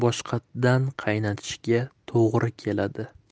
boshqatdan qaynatishga to'g'ri keladi